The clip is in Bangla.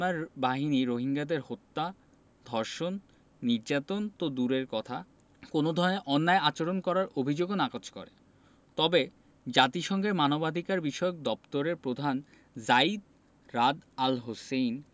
এর আগে গত নভেম্বর মাসে মিয়ানমার বাহিনী রোহিঙ্গাদের হত্যা ধর্ষণ নির্যাতন তো দূরের কথা কোনো ধরনের অন্যায় আচরণ করার অভিযোগও নাকচ করে তবে জাতিসংঘের মানবাধিকারবিষয়ক দপ্তরের প্রধান